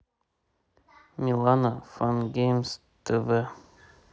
милана фан геймс тв